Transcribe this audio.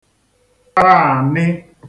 taānị